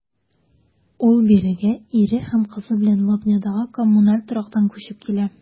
Ул бирегә ире һәм кызы белән Лобнядагы коммуналь торактан күчеп килә.